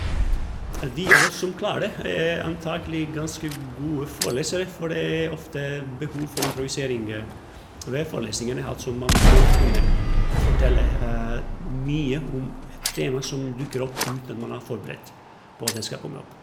De av oss som klarer det, er antakelig ganske gode forelesere, for det er ofte behov for improvisering ved forelesningene, altså, man må kunne fortelle mye om et tema som dukker opp uten at man har forberedt på at den skal komme opp.